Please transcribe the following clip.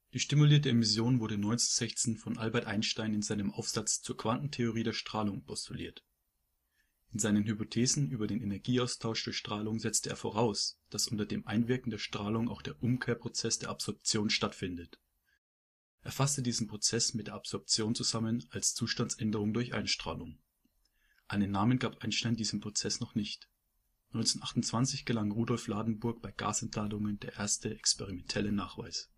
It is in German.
Die stimulierte Emission wurde 1916 von Albert Einstein in seinem Aufsatz Zur Quantentheorie der Strahlung postuliert. In seinen Hypothesen über den Energieaustausch durch Strahlung setzte er voraus, dass unter dem Einwirken der Strahlung auch der Umkehrprozess der Absorption stattfindet. Er fasste diesen Prozess mit der Absorption zusammen als „ Zustandsänderung durch Einstrahlung “. Einen Namen gab Einstein diesem Prozess noch nicht. 1928 gelang Rudolf Ladenburg bei Gasentladungen der erste experimentelle Nachweis